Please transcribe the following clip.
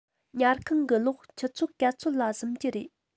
ཉལ ཁང གི གློག ཆུ ཚོད ག ཚོད ལ གཟིམ གྱི རེད